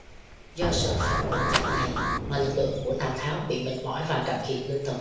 do sự phòng ngự chặt này mà lực lượng của tào tháo bị mệt mỏi và cạn kiệt lương thực